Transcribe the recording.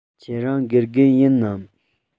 ཁྱེད རང དགེ རྒན ཡིན ནམ